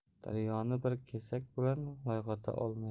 daryoni bir kesak bilan loyqata olmaysan